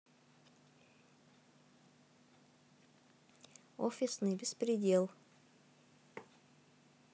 офисный беспредел